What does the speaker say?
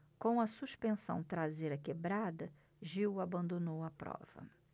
com a suspensão traseira quebrada gil abandonou a prova